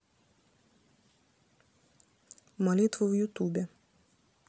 молитва в ютубе